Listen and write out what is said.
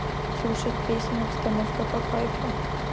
слушать песню обстановка по кайфу